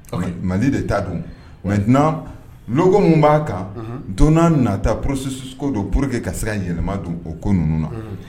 Ok . Mali de ta don maintenant, logo mun b'a kan,. Unhun! Don n'a nataa processus ko don pour que ka se ka yɛlɛma don o ko ninnu na. Unhun!